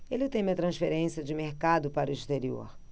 ele teme a transferência de mercado para o exterior